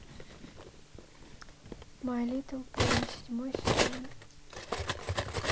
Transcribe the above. май литл пони седьмой сезон